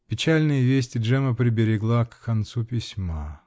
Печальные вести Джемма приберегла к концу письма.